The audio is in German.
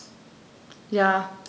Ja.